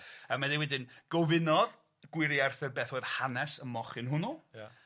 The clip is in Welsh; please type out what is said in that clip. A mae'n dweud wedyn, gofynodd gwiriai Arthur beth oedd hanes y mochyn hwnnw. Ia.